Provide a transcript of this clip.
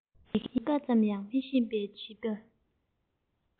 ཡི གེ ཀ ཙམ ཡང མི ཤེས པའི བྱིས པ